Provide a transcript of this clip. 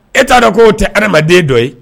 E t'a dɔn k'o tɛ adamaden dɔ ye